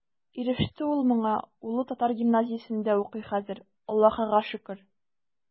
Иреште ул моңа, улы татар гимназиясендә укый хәзер, Аллаһыга шөкер.